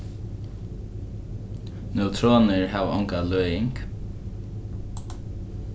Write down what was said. neutronir hava onga løðing